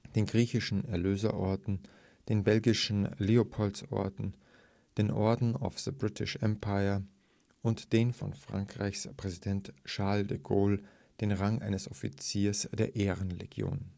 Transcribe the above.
den griechischen Erlöser-Orden, den belgischen Leopoldsorden, den Order of the British Empire und von Frankreichs Präsident Charles de Gaulle den Rang eines Offiziers der Ehrenlegion